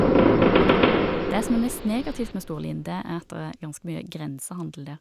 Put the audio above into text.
Det som er mest negativt med Storlien, det er at der er ganske mye grensehandel der.